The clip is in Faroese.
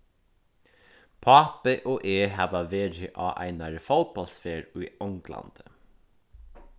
pápi og eg hava verið á einari fótbóltsferð í onglandi